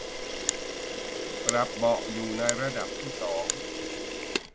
ปรับเบาะอยู่ในระดับที่สอง